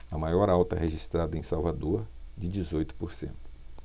a maior alta foi registrada em salvador de dezoito por cento